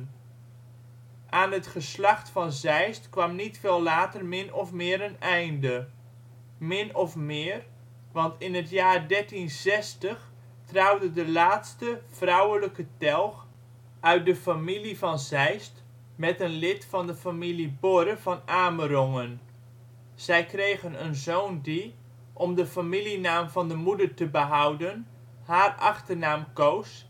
Aan het geslacht van Zeist kwam niet veel later min of meer een einde. Min of meer, want in het jaar 1360 trouwde de laatste (vrouwelijke) telg uit het de familie van Zeist met een lid van de familie Borre van Amerongen. Zij kregen een zoon die, om de familienaam van de moeder te behouden, haar achternaam koos